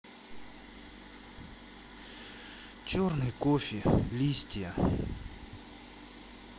черный кофе листья